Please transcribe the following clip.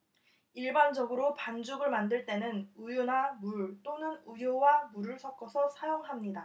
일반적으로 반죽을 만들 때는 우유나 물 또는 우유와 물을 섞어서 사용합니다